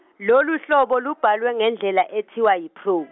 lolu hlobo lubhalwe ngendlela ethiwa yiphro-.